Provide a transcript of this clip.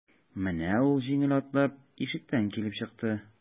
Менә ул җиңел атлап ишектән килеп чыкты.